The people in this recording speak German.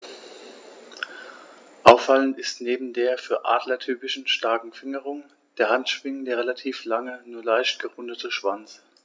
Auffallend ist neben der für Adler typischen starken Fingerung der Handschwingen der relativ lange, nur leicht gerundete Schwanz.